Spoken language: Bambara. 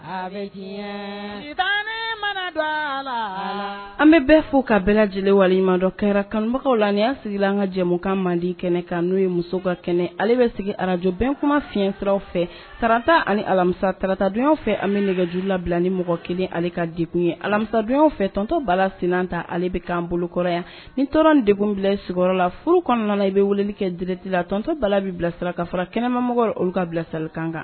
Ta la an bɛ bɛ fo ka bɛɛ lajɛlen walima ma dɔ kɛra kanbagaw la n y'a sigi an ka jɛmukan mande kɛnɛ kan n'o ye muso ka kɛnɛ ale bɛ sigi arajobɛn kuma fiɲɛfɛraw fɛ karanta ani alamisatarataj fɛ an nɛgɛjuru labila ni mɔgɔ kelen ale ka dekun ye alamisadon fɛ tɔntɔ balala sen ta ale bɛ'an bolo kɔrɔ yan ni tɔɔrɔ de bila sigiyɔrɔ la furu kɔnɔna i bɛ wulili kɛ dti la tɔntɔntɔ bala bɛ bilasira ka fara kɛnɛmamɔgɔ ye olu ka bila sali kan kan